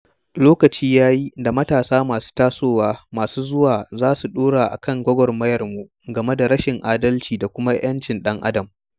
Lokaci ya yi da matasa masu tasowa masu zuwa za su ɗora a kan gwagwarmayarmu game da rashin adalci da kuma 'yancin ɗan-adam.